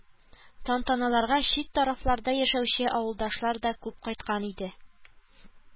Тантаналарга чит тарафларда яшәүче авылдашлар да күп кайткан иде